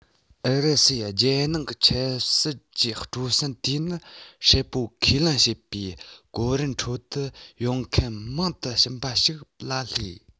ཨུ རུ སུའི རྒྱལ ནང གི ཆབ སྲིད ཀྱི སྤྲོ སེམས དེ ནི ཧྲིལ པོ ཁས ལེན བྱེད པའི གོ རིམ ཁྲོད དུ ཡོང མཁན མང དུ ཕྱིན པ ཞིག ལ སླེབས